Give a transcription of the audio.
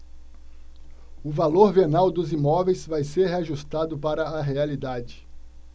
o valor venal dos imóveis vai ser ajustado para a realidade